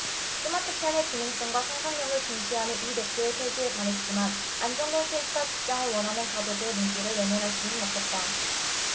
스마트펜의 가능성과 상상력을 중시하는 이 대표의 패기에 반했지만 안정된 수입과 직장을 원하는 가족의 눈길을 외면할 수는 없었다